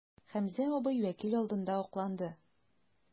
Хәмзә абый вәкил алдында акланды.